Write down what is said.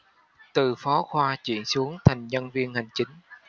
từ phó khoa chuyển xuống thành nhân viên hành chính